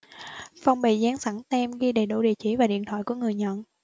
phong bì dán sẵn tem ghi đầy đủ địa chỉ và điện thoại của người nhận